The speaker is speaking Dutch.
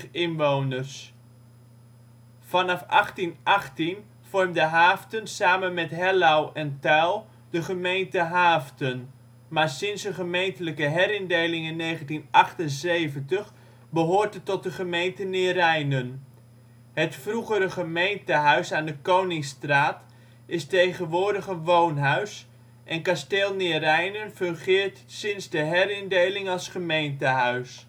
inwoners. Vanaf 1818 vormde Haaften samen met Hellouw en Tuil de gemeente Haaften, maar sinds een gemeentelijke herindeling in 1978 behoort het tot de gemeente Neerijnen. Het vroegere gemeentehuis aan de Koningsstraat is tegenwoordig een woonhuis, en Kasteel Neerijnen fungeert sinds de herindeling als gemeentehuis